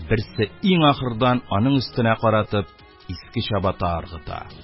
Берсе иң ахырдан аның өстенә каратып иске чабата ыргыта.